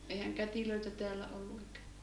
eihän kätilöitä täällä ollut eikä